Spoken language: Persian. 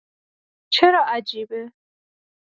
چرا عجیبه؟